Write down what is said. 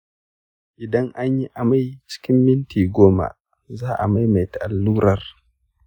idan anyi amai cikin minti goma, za a maimaita allurar.